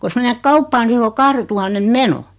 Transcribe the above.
kun menet kauppaan niin se on kahdentuhannen meno